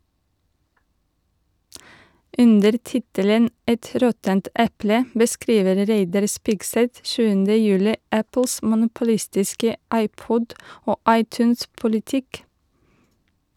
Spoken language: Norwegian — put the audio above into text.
Under tittelen «Et råttent eple » beskriver Reidar Spigseth 7. juli Apples monopolistiske iPod- og iTunes-politikk.